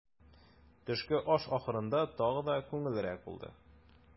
Төшке аш ахырында тагы да күңеллерәк булды.